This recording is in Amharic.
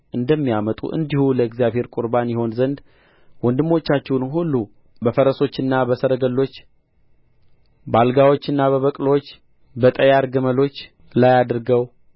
እንደሚያመጡ እንዲሁ ለእግዚአብሔር ቍርባን ይሆን ዘንድ ወንድሞቻችሁን ሁሉ በፈረሶችና በሰረገሎች በአልጋዎችና በበቅሎች በጠያር ግመሎችም ላይ አድርገው